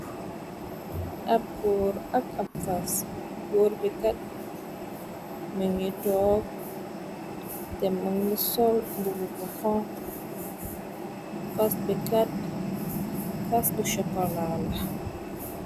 Ab góor ak ab fas. Góor bi kat mi ngi toog te mungu sol mbub bu xonk. Fas bi kat fras bu sokola.